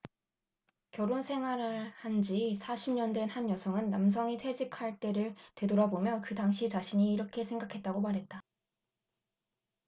결혼 생활을 한 지 사십 년 된 한 여성은 남편이 퇴직한 때를 뒤돌아보며 그 당시 자신이 이렇게 생각했다고 말했다